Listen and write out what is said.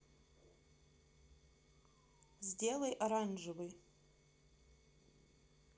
сделай оранжевый